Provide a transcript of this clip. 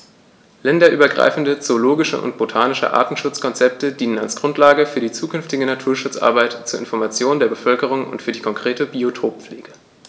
Länderübergreifende zoologische und botanische Artenschutzkonzepte dienen als Grundlage für die zukünftige Naturschutzarbeit, zur Information der Bevölkerung und für die konkrete Biotoppflege.